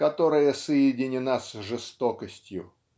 которая соединена с жестокостью.